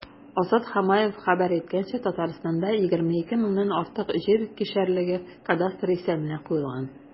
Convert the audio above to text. Азат Хамаев хәбәр иткәнчә, Татарстанда 22 меңнән артык җир кишәрлеге кадастр исәбенә куелган.